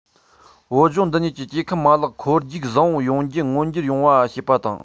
བོད ལྗོངས འདི ཉིད ཀྱི སྐྱེ ཁམས མ ལག འཁོར རྒྱུག བཟང པོ ཡོང རྒྱུ མངོན འགྱུར ཡོང བ བྱེད པ དང